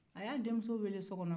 a y'a denmuso weele so kɔnɔ